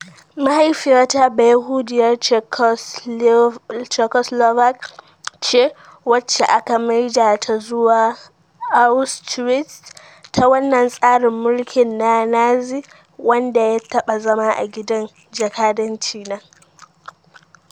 Mahaifiyata bayahudiyar Czechoslovak ce wacce aka maida ta zuwa Auschwitz ta wannan tsarin mulkin na Nazi wanda ya taba zama a gidan jakadanci na.